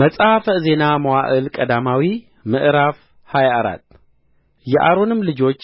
መጽሐፈ ዜና መዋዕል ቀዳማዊ ምዕራፍ ሃያ አራት የአሮንም ልጆች